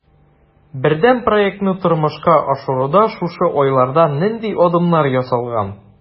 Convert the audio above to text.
Бердәм проектны тормышка ашыруда шушы айларда нинди адымнар ясалган?